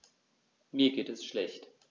Mir geht es schlecht.